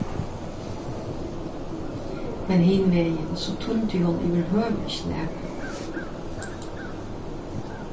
men hin vegin so tímdi hon yvirhøvur ikki nakað